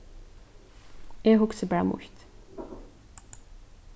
eg hugsi bara mítt